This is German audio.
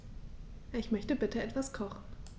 Ich möchte bitte etwas kochen.